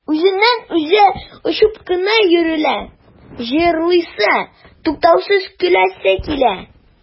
Үзеннән-үзе очып кына йөрелә, җырлыйсы, туктаусыз көләсе килә.